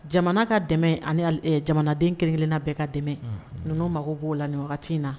Jamana ka dɛmɛ jamanaden kelenkelen bɛɛ ka dɛmɛ ninnu mago b'o la wagati in na